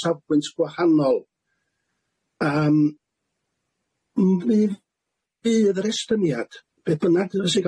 safbwynt gwahanol yym m- bydd yr estyniad beth bynnag sy'n